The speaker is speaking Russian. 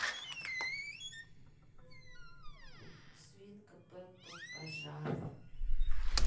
свинка пеппа пожар